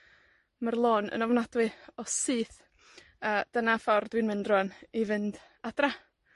Ma'r lôn yn ofnadwy o syth, a dyna ffordd dwi'n mynd rŵan, i fynd adra.